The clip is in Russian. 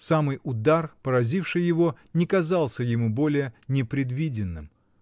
самый удар, поразивший его, не казался ему более непредвиденным